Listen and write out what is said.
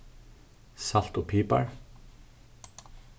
salt og pipar